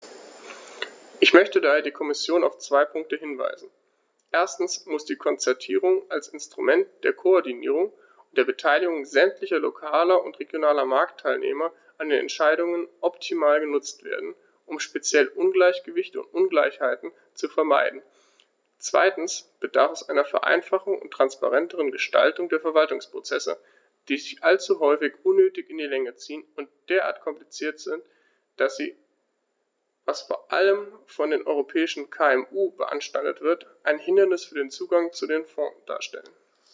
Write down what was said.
Ich möchte daher die Kommission auf zwei Punkte hinweisen: Erstens muss die Konzertierung als Instrument der Koordinierung und der Beteiligung sämtlicher lokaler und regionaler Marktteilnehmer an den Entscheidungen optimal genutzt werden, um speziell Ungleichgewichte und Ungleichheiten zu vermeiden; zweitens bedarf es einer Vereinfachung und transparenteren Gestaltung der Verwaltungsprozesse, die sich allzu häufig unnötig in die Länge ziehen und derart kompliziert sind, dass sie, was vor allem von den europäischen KMU beanstandet wird, ein Hindernis für den Zugang zu den Fonds darstellen.